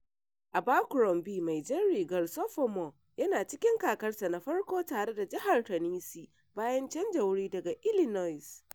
Abercrombie, mai jar rigar sophomore, yana cikin kakar sa na farko tare da Jaha Tennessee bayan canja wuri daga Illinois.